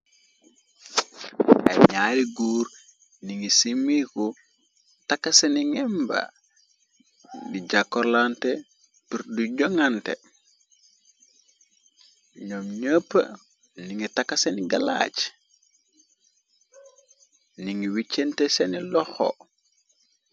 Ay ñaari guur ni ngi simiiku taka sani ngemba di jàkkorlante bir du jongante ñoom nepp ningi taka sani galaaj ningi wiccente seeni loxo.